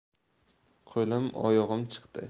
qo'lim oyog'im chiqdi